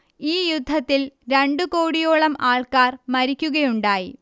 ഈ യുദ്ധത്തിൽ രണ്ടു കോടിയോളം ആൾക്കാർ മരിക്കുകയുണ്ടായി